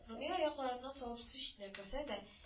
Румия аякларыннан салып су читенә керсә